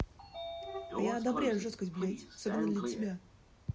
а я одобряю жесткость блядь особенно для тебя